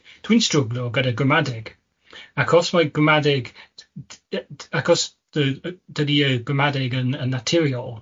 Dwi'n stryglo gyda gramadeg. Achos mae gramadeg d- d- y- d- ... Achos, dy- y- dydi yy gramadeg yn yn naturiol